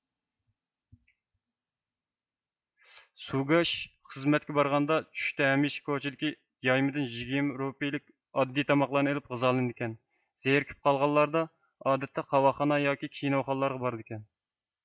سۇگېش خىزمەتكە بارغاندا چۈشتە ھەمىشە كوچىدىكى يايمىدىن يىگىرمە رۇپىيىلىك ئاددىي تاماقلارنى ئېلىپ غىزالىنىدىكەن زىرىكىپ قالغانلاردا ئادەتتە قاۋاقخانا ياكى كىنوخانىلارغا بارىدىكەن